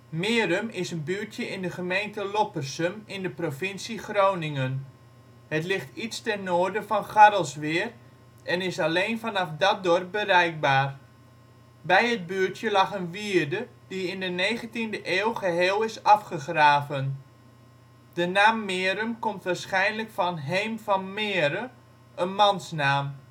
Merum is een buurtje in de gemeente Loppersum in de provincie Groningen. Het ligt iets ten noorden van Garrelsweer, en is alleen vanaf dat dorp bereikbaar. Bij het buurtje lag een wierde die in de negentiende eeuw geheel is afgegraven. De naam Merum komt waarschijnlijk van heem van Mere, een mansnaam